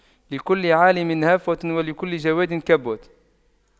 لكل عالِمٍ هفوة ولكل جَوَادٍ كبوة